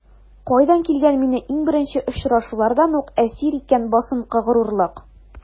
Кайдан килгән мине иң беренче очрашулардан үк әсир иткән басынкы горурлык?